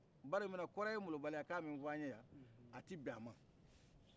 bari muna kɔrɛ ye molobaliya kan min fɔ an ɲe yan a ti bɛ an ma